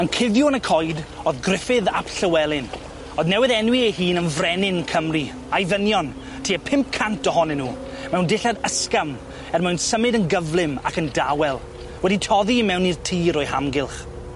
Yn cuddio yn y coed o'dd Gruffydd ap Llywelyn, o'dd newydd enwi ei hun yn Frenin Cymru, a'i ddynion tua pump cant ohonyn nw mewn dillad ysgafn er mwyn symud yn gyflym ac yn dawel, wedi toddi i mewn i'r tir o'u hamgylch.